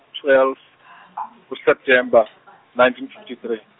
twelve , ku- September, nineteen fifty three.